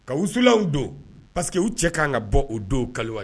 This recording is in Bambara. Ka wusuulalaw don pa que u cɛ ka kan ka bɔ o don kaliwa